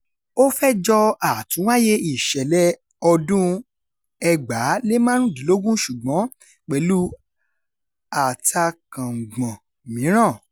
Ó fẹ́ jọ àtúnwáyé ìṣẹ̀lẹ̀ 2015 ṣùgbọ́n pẹ̀lú atakànàngbọ̀n mìíràn.